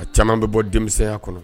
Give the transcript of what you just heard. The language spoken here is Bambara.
A caman bɛ bɔ denmisɛnya kɔnɔ